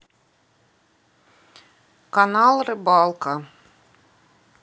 канал рыбалка